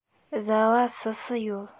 བཟའ བ སུ སུ ཡོད